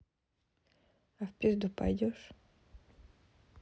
а в пизду пойдешь